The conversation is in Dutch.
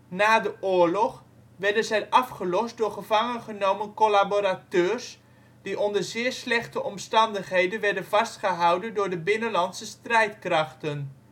na de oorlog, werden zij afgelost door gevangengenomen collaborateurs, die onder zeer slechte omstandigheden werden vastgehouden door de Binnenlandse Strijdkrachten